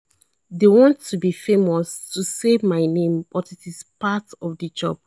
They want to be famous to say my name, but it is part of the job.